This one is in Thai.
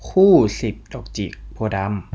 คู่สิบดอกจิกโพธิ์ดำ